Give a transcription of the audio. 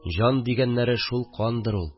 Җан дигәннәре шул кандыр ул